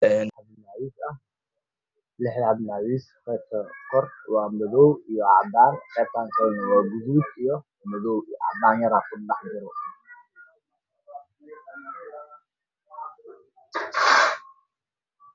Meeshaan u hayaan loo macansiiyo kalirkoodu yahay madoobe guduud waxayna yaalaan dhul cadaan ah